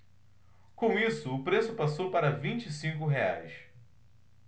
com isso o preço passou para vinte e cinco reais